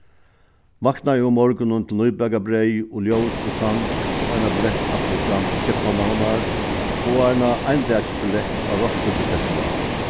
vaknaði um morgunin til nýbakað breyð og ljós og sang og eina billett aftur og fram til keypmannahavnar og eina eindagsbillett á roskildefestivalinum